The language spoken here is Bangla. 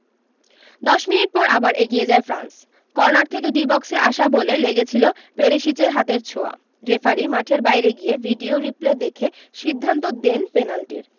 ১০ মিনিট পর আবার এগিয়ে যায় ফ্রান্স কর্নার থেকে ডি বক্সে আসা বলে লেগেছিল পেরিসিচের হাতের ছোঁয়া রেফারি মাঠের বাইরে গিয়ে ভিডিও রিপ্লে দেখে সিদ্ধান্ত দেন পেনাল্টির